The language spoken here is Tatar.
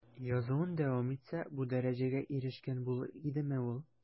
Язуын дәвам итсә, бу дәрәҗәгә ирешкән булыр идеме ул?